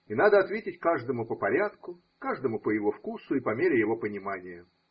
И надо ответить каждому по порядку, каждому по его вкусу и по мере его понимания.